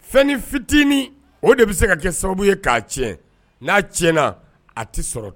Fɛn ni fitinin o de bɛ se kɛ sababu ye k'a tiɲɛ, n'a tiɲɛna, a tɛ sɔrɔ